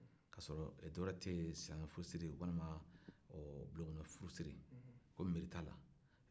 k'a sɔrɔ dɔwɛrɛ tɛ yen silamɛfurusiri walima bulonkɔnɔfurusiri ko mɛri t'a la